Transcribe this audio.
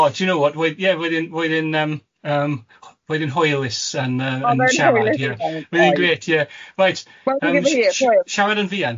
O do you know what roedd ie roedd e'n roedd e'n yym yym roedd e'n hwylus yn yy yn siarad ie... oedd e'n hwyl. ...roedd e'n grêt ie reit yym siarad yn fuan.